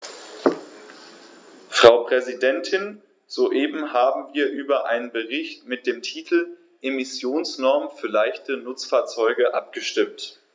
Frau Präsidentin, soeben haben wir über einen Bericht mit dem Titel "Emissionsnormen für leichte Nutzfahrzeuge" abgestimmt.